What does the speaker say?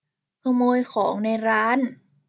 ขโมยของในร้าน